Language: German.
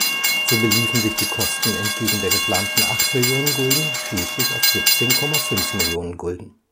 So beliefen sich die Kosten entgegen der geplanten 8 Millionen Gulden schließlich auf 17,5 Millionen Gulden